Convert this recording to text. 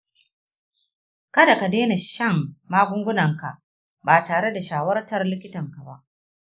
kada ka daina shan magungunanka ba tare da shawartar likitan ka ba.